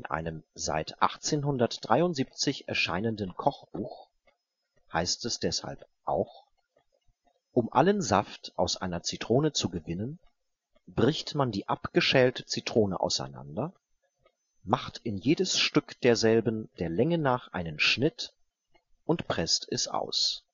einem seit 1873 erscheinenden Kochbuch heißt es deshalb auch: „ Um allen Saft aus einer Zitrone zu gewinnen, bricht man die abgeschälte Zitrone auseinander, macht in jedes Stück derselben der Länge nach einen Schnitt und preßt es aus